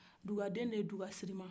duga den de ye dugasiriman